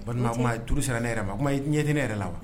Ba ma duuru siran ne yɛrɛ ma a kuma i ɲɛin ne yɛrɛ la wa